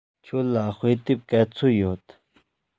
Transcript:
ཁྱོད ལ དཔེ དེབ ག ཚོད ཡོད